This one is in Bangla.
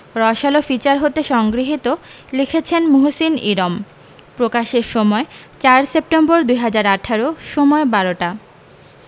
রসআলো ফিচার হতে সংগৃহীত লিখেছেনঃ মুহসিন ইরম প্রকাশের সময়ঃ ৪ সেপ্টেম্বর ২০১৮ সময়ঃ ১২টা